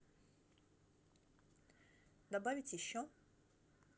добавить еще